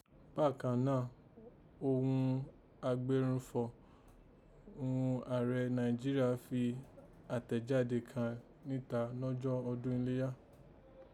Bákan náà òghun agbẹrunfọ̀ ghún ààrẹ Nàìjíríà fi àtẹ̀jáde kàn níta nọjọ́ ọdún ileya